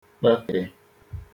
kpàfẹ